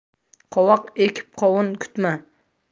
qovoq ekib qovun kutma